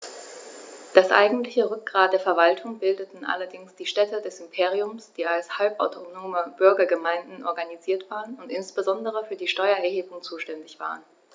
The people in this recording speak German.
Das eigentliche Rückgrat der Verwaltung bildeten allerdings die Städte des Imperiums, die als halbautonome Bürgergemeinden organisiert waren und insbesondere für die Steuererhebung zuständig waren.